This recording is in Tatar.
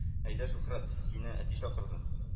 – әйдә, шөһрәт, сине әти чакырды